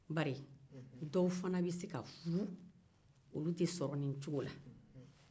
bar dɔw fana bɛ se ka furu olu tɛ sɔrɔ nin cogoya la